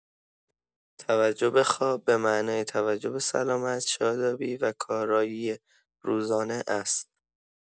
توجه به خواب به معنای توجه به سلامت، شادابی و کارایی روزانه است.